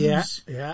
Ie, ie.